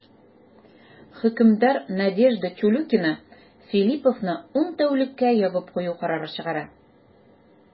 Хөкемдар Надежда Чулюкина Филлиповны ун тәүлеккә ябып кую карары чыгара.